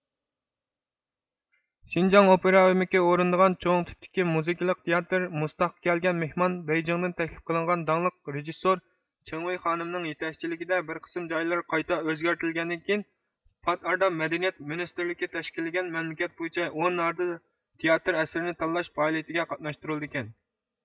شىنجاڭ ئوپېرا ئۆمىكى ئورۇندىغان چوڭ تىپتىكى مۇزىكىلىق تىياتىر مۇز تاغقا كەلگەن مېھمان بېيجىڭدىن تەكلىپ قىلىنغان داڭلىق رىژېسسور چېڭۋېي خانىمنىڭ يېتەكچىلىكىدە بىر قىسىم جايلىرى قايتا ئۆزگەرتىلگەندىن كېيىن پات ئارىدا مەدەنىيەت مىنىستىرلىكى تەشكىللىگەن مەملىكەت بويىچە ئون نادىر تىياتىر ئەسىرىنى تاللاش پائالىيىتىگە قاتناشتۇرۇلىدىكەن